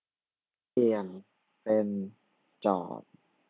เปลี่ยนเป็นจอบ